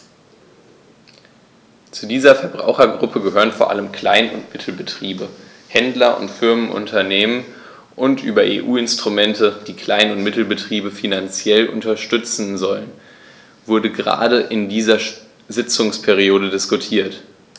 Zu dieser Verbrauchergruppe gehören vor allem Klein- und Mittelbetriebe, Händler und Familienunternehmen, und über EU-Instrumente, die Klein- und Mittelbetriebe finanziell unterstützen sollen, wurde gerade in dieser Sitzungsperiode diskutiert.